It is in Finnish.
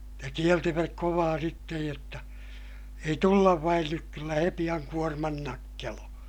ja kielsivät kovaa sitten jotta ei tulla vain nyt kyllä he pian kuorman nakkelee